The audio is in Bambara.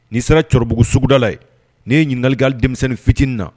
N'i sera cɛkɔrɔbabugu sugudala ye'i ye ɲininkaligali denmisɛnnin fitinin na